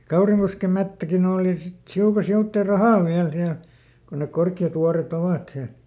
ja Kaurinkosken metsäkin oli sitten hiukan sivuitse rahan vielä siellä kun ne korkeat vuoret ovat siellä